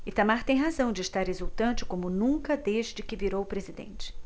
itamar tem razão de estar exultante como nunca desde que virou presidente